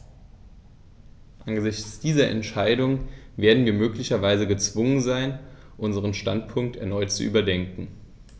Angesichts dieser Entscheidung werden wir möglicherweise gezwungen sein, unseren Standpunkt erneut zu überdenken.